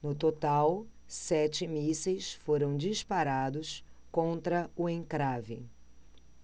no total sete mísseis foram disparados contra o encrave